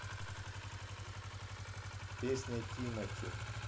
песня тимати